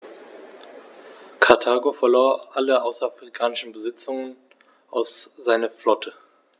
Karthago verlor alle außerafrikanischen Besitzungen und seine Flotte.